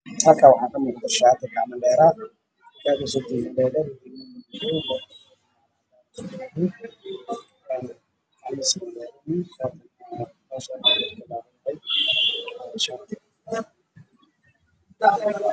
Meeshaan waxaa ka muuqdo shaati gacmo dheere ah